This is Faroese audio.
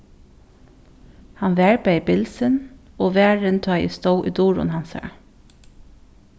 hann var bæði bilsin og varin tá ið eg stóð í durum hansara